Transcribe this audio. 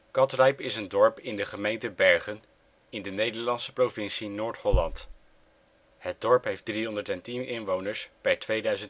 Catrijp is een dorp in de gemeente Bergen, in de Nederlandse provincie Noord-Holland. Het dorp heeft 310 inwoners (2004